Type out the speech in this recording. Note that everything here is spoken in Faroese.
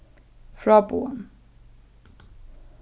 fráboðan